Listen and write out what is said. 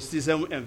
Sisan